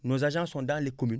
nos agents sont dans les communes